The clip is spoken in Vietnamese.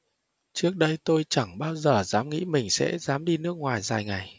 trước đây tôi chẳng bao giờ dám nghĩ mình sẽ dám đi nước ngoài dài ngày